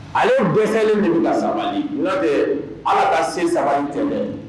Ale bɛlen de sabali de ala ka sen saba tɛ